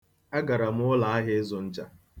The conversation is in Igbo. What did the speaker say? Agara m ụlaahịa ịzụ ncha.